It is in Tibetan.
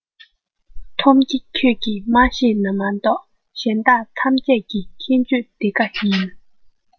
འཐོམ གྱེ ཁྱོད ཀྱིས མ ཤེས ན མ གཏོགས གཞན དག ཐམས ཅད ཀྱི མཁྱེན སྤྱོད དེ ག ཡིན